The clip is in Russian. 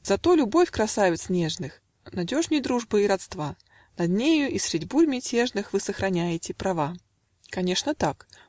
Зато любовь красавиц нежных Надежней дружбы и родства: Над нею и средь бурь мятежных Вы сохраняете права. Конечно так.